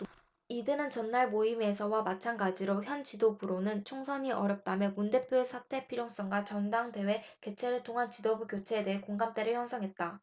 이들은 전날 모임에서와 마찬가지로 현 지도부로는 총선이 어렵다며 문 대표의 사퇴 필요성과 전당대회 개최를 통한 지도부 교체에 대해 공감대를 형성했다